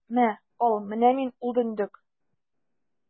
Мә, ал, менә мин ул дөндек!